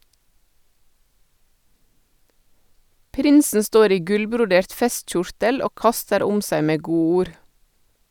Prinsen står i gullbrodert festkjortel og kaster om seg med godord.